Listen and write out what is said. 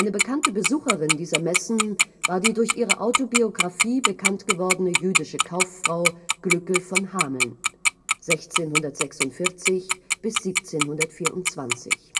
bekannte Besucherin dieser Messen war die durch ihre Autobiografie bekannt gewordene jüdische Kauffrau Glückel von Hameln (1646 – 1724